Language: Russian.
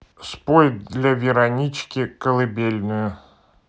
спой для веронички колыбельную